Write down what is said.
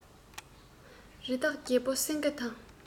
རི དྭགས རྒྱལ པོ སེང གེ དང